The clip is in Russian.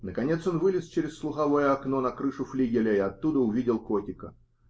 Наконец он вылез через слуховое окно на крышу флигеля и оттуда увидел котика.